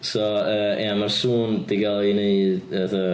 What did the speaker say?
So yy ia ma'r sŵn 'di gael ei wneud fatha...